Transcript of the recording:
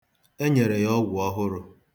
E nyere ya ọgwụ ọhụrụ.